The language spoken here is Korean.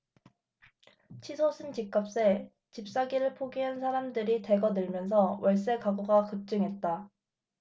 치솟은 집값에 집사기를 포기한 사람들이 대거 늘면서 월세 가구가 급증했다